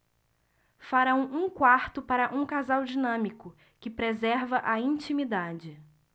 farão um quarto para um casal dinâmico que preserva a intimidade